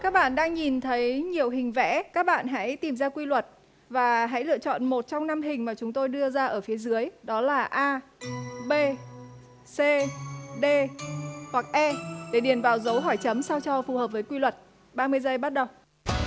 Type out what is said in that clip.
các bạn đang nhìn thấy nhiều hình vẽ các bạn hãy tìm ra quy luật và hãy lựa chọn một trong năm hình mà chúng tôi đưa ra ở phía dưới đó là a bê xê đê hoặc e để điền vào dấu hỏi chấm sao cho phù hợp với quy luật ba mươi giây bắt đầu